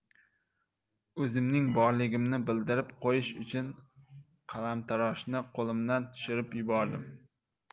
o'zimning borligimni bildirib qo'yish uchun qalamtaroshni qo'limdan tushirib yubordim